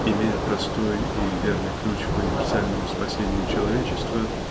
Имея простой и верный ключ к универсальному спасению человечества